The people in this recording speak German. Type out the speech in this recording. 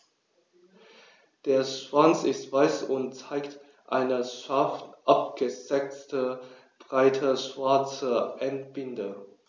Der Schwanz ist weiß und zeigt eine scharf abgesetzte, breite schwarze Endbinde.